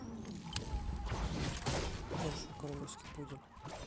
большой королевский пудель